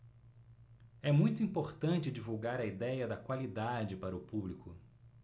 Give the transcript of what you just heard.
é muito importante divulgar a idéia da qualidade para o público